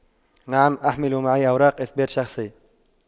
نعم احمل معي أوراق اثبات شخصية